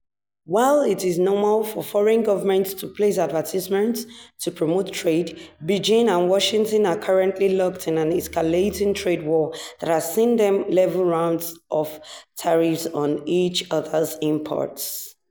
While it is normal for foreign governments to place advertisements to promote trade, Beijing and Washington are currently locked in an escalating trade war that has seen them level rounds of tariffs on each other's imports.